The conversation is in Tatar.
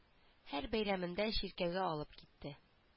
Һәр бәйрәмендә чиркәүгә алып китте